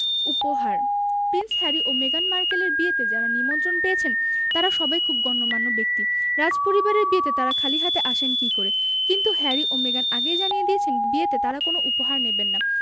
উপহার prince Harry ও মেগান মার্কেলের বিয়েতে যাঁরা নিমন্ত্রণ পেয়েছেন তাঁরা সবাই খুব গণ্যমান্য ব্যক্তি রাজপরিবারের বিয়েতে তাঁরা খালি হাতে আসেন কী করে কিন্তু হ্যারি ও মেগান আগেই জানিয়ে দিয়েছেন বিয়েতে তাঁরা কোনো উপহার নেবেন না